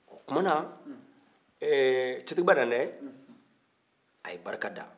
o tuma na tiɲɛtigiba dantɛ a ye barika da